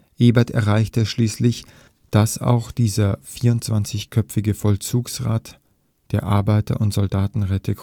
Ebert erreichte schließlich, dass auch dieser 24-köpfige Vollzugsrat der Arbeiter - und Soldatenräte